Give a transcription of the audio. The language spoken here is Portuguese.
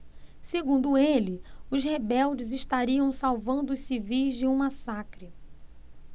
segundo ele os rebeldes estariam salvando os civis de um massacre